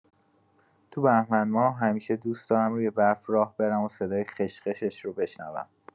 تو بهمن‌ماه همیشه دوست دارم روی برف راه برم و صدای خش خشش رو بشنوم.